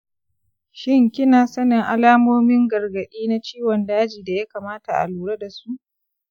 shin kina sanin alamomin gargaɗi na ciwon daji da ya kamata a lura da su?